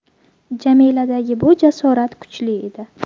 jamiladagi bu jasorat kuchli edi